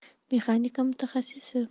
mexanika mutaxassisi